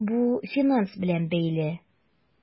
Бу финанс белән бәйле.